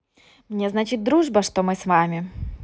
мне значит дружба что мы с вами